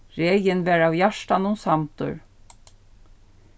regin var av hjartanum samdur